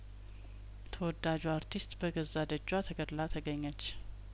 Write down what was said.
ተወዳጇ አርቲስት በገዛ ደጇ ተገድላ ተገኘች